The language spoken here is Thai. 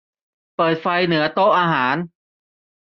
เปิดไฟเหนือโต๊ะอาหาร